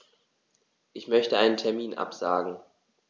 Ich möchte einen Termin absagen.